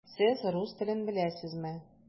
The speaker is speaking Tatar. Сез рус телен беләсезме?